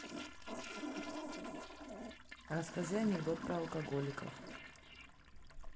расскажи анекдот про алкоголиков